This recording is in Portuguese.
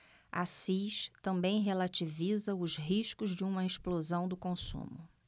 assis também relativiza os riscos de uma explosão do consumo